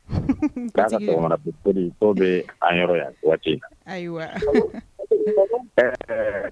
' to bɛ an yɔrɔ yan waati ayiwa